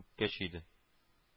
Күккә чөйде